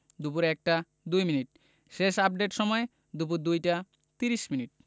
দুপুর ১টা ২মিনিট শেষ আপডেটের সময় দুপুর ২টা ৩০ মিনিট